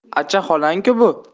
acha xolang ku bu